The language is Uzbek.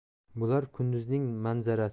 bular kunduzning manzarasi